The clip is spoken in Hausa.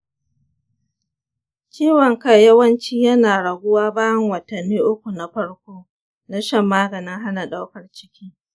ciwon kai yawanci yana raguwa bayan watanni uku na farko na shan maganin hana ɗaukar ciki.